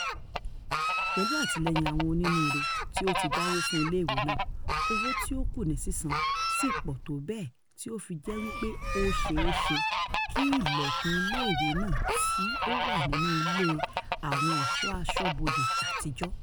Pẹ̀lú àtìlẹ́yìn àwọn onínúure tí ó ti dáwó fún iléèwé náà, owó tí ó kù ní sísan ṣì pọ̀ tó bẹ́ẹ̀ tí ó fi jẹ́ wípé, ó ṣe é ṣe kí ilẹ̀kùn-un iléèwé náà tí ó wà nínú Ilé Àwọn Ẹ̀ṣọ́ Aṣọ́bodè Àtijọ́.